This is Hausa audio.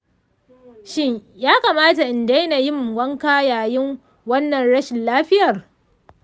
shin ya kamata in daina yin wanka yayin wannan rashin lafiyar?